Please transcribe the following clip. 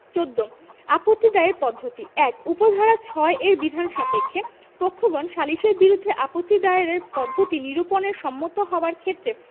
১৪ আপত্তি দায়ের পদ্ধতিঃ ১ উপ ধারা ৬ এর বিধান সাপেক্ষে পক্ষগণ সালিসের বিরুদ্ধে আপত্তি দায়েরের পদ্ধতি নিরুপণের সম্মত হওয়ার ক্ষেত্রে